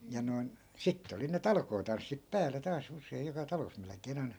ja noin sitten oli ne talkootanssit päälle taas usein joka talossa melkein aina